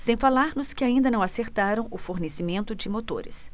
sem falar nos que ainda não acertaram o fornecimento de motores